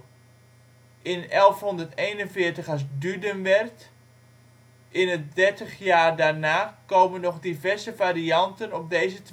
In 1171 als Dudenwert, in de dertig jaar daarna komen nog diverse varianten op deze